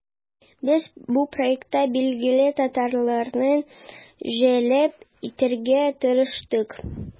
Без бу проектка билгеле татарларны җәлеп итәргә тырыштык.